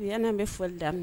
Yani an bɛ fɔli da